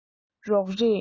རོགས རེས